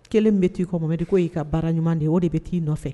Kelen bɛ t'i kɔmmɛ ko y'i ka baara ɲuman de o de bɛ t'i nɔfɛ